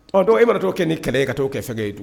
Ɔ don e matɔ' kɛ ni kɛlɛ e ka t'o kɛ fɛngɛ ye don